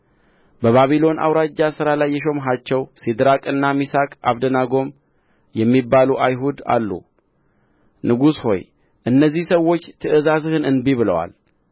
በባቢሎን አውራጃ ሥራ ላይ የሾምሃቸው ሲድራቅና ሚሳቅ አብደናጎም የሚባሉ አይሁድ አሉ ንጉሥ ሆይ እነዚህ ሰዎች ትእዛዝህን እንቢ ብለዋል